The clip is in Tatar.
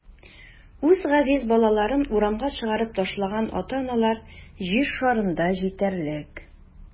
Үз газиз балаларын урамга чыгарып ташлаган ата-аналар җир шарында җитәрлек.